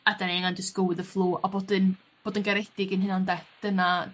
a 'dan ni angen jyst go with the flow a bod yn bod yn garedig i'n hunan 'de? Dyna